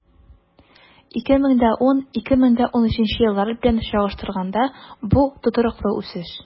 2010-2013 еллар белән чагыштырганда, бу тотрыклы үсеш.